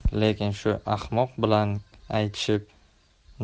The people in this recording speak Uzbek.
lekin shu ahmoq bilan aytishib